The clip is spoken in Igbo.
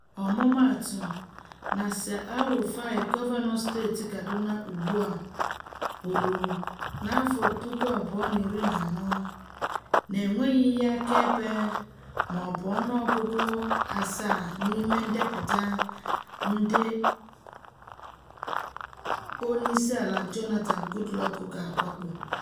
Ọmụmaatụ, Nassir El-Rufai, gọvanọ steeti Kadụna ugbu a kwuru na 2014 — na-enweghị ihe akaebe — na ọ bụ “ọnụọgụgụ 7 n'ime ndepụta ndị [Onyeisiala Jonathan Goodluck] ga-awakpo”.